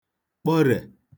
kpọrè